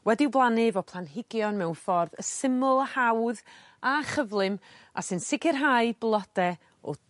wedi'w blannu efo planhigion mewn ffordd y syml hawdd a chyflym a sy'n sicrhau blode o